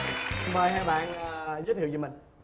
mời hai bạn giới thiệu về mình